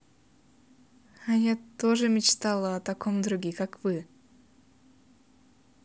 а я тоже мечтала о таком друге как вы